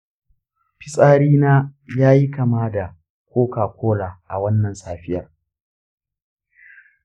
fitsari na ya yi kama da koka-kola a wannan safiyar.